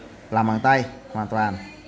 làm bằng tay hoàn toàn